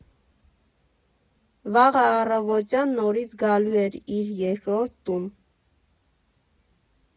Վաղը առավոտյան նորից գալու էր իր երկրորդ տուն։